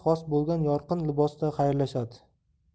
xos bo'lgan yorqin libosda xayrlashadi